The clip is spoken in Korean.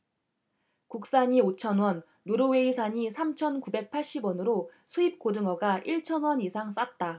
국산이 오 천 원 노르웨이산이 삼 천 구백 팔십 원으로 수입 고등어가 일 천 원 이상 쌌다